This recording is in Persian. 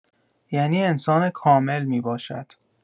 یعنی انسان کامل می‌باشد.